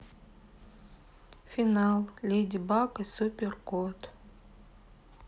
финал леди баг и супер кот